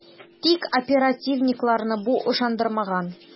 Тик оперативникларны бу ышандырмаган ..